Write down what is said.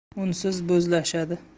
unsiz bo'zlashadi